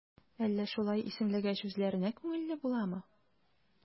Әллә шулай исемләгәч, үзләренә күңелле буламы?